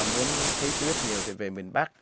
muốn thấy tuyết nhiều thì về miền bắc